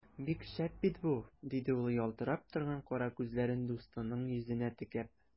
Бик шәп бит бу! - диде ул, ялтырап торган кара күзләрен дустының йөзенә текәп.